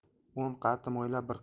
o'n qatim o'yla